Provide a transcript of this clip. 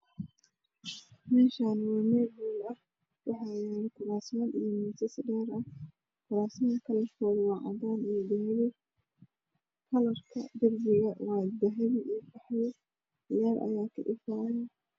Meshani waa mel hool ah waxayalo kursaman io miis dheer ah kursmanka kalakode waa cadan io dahbi kalarka dirbiga waa dahbi io qaxwi leer ayaa kaifayo